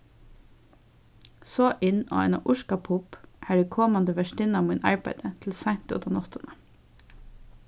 so inn á eina írska pubb har ið komandi vertinna mín arbeiddi til seint út á náttina